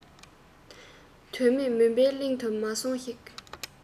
དོན མེད མུན པའི གླིང དུ མ སོང ཞིག